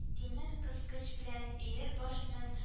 Тимер кыскыч белән өер башының